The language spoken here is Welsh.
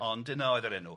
Ond dyna oedd yr enw.